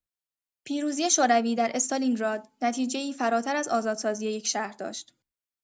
پیروزی شوروی در استالینگراد نتیجه‌ای فراتر از آزادسازی یک شهر داشت.